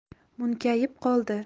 munkayib qoldi